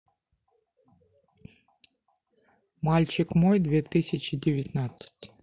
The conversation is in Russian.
мальчик мой две тысячи девятнадцать